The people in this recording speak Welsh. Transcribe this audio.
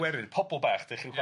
Gweryn, pobl bach de chi'n